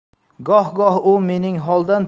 goh goh u mening holdan